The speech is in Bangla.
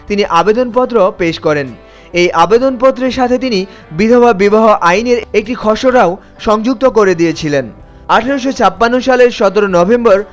তিনি আবেদনপত্র পেশ করেন এ আবেদন পত্রের সাথে তিনি বিধবা বিবাহ আইনের একটি খসড়াও সংযুক্ত করে দিয়েছিলেন ১৮৫৬ সালের ১৭ নভেম্বর